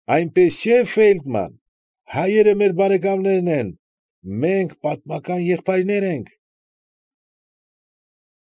Այնպես չէ՞, Ֆեյլդման, հայերը մեր բարեկամներն են, մենք պատմական եղբայրներ ենք։